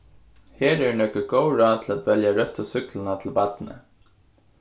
her eru nøkur góð ráð til at velja røttu súkkluna til barnið